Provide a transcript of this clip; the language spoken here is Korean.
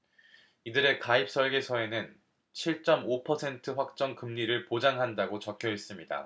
이들의 가입설계서에는 칠 쩜 오 퍼센트 확정 금리를 보장한다고 적혀있습니다